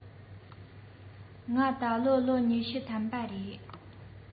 ང ད ལོ ལོ ཉི ཤུ ཐམ པ རེད